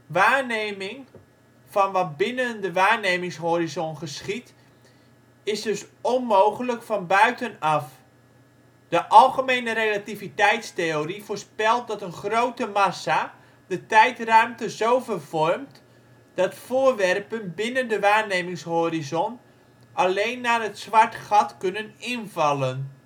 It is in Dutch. Waarneming van wat binnen de waarnemingshorizon geschiedt is dus onmogelijk van buitenaf. De algemene relativiteitstheorie voorspelt dat een grote massa de tijdruimte zo vervormt, dat voorwerpen binnen de waarnemingshorizon alleen naar het zwart gat kunnen invallen